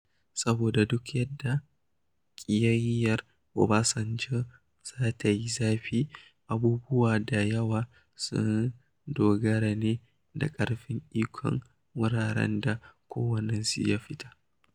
Haka kuma Obasanjo ba shi kaɗai ba ne a wurin sukar Buhari.